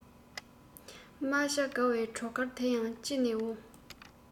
རྨ བྱ དགའ བའི བྲོ གར དེ ཡང ཅི ནས འོང